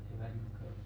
ei varmaankaan ole